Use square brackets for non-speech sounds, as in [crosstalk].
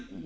[hesitation] [hesitation]